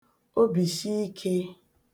obìshiikē